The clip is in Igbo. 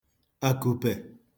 àkụ̀pè